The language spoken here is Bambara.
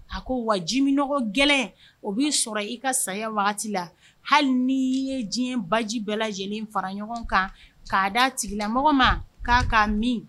A ko wa ji minnɔgɔ gɛlɛn o b'i sɔrɔ i ka saya wagati la hali n'i ye jiɲɛ baji bɛɛ lajɛlen fara ɲɔgɔn kan k'a da a tigila mɔgɔ ma k'a k'a min.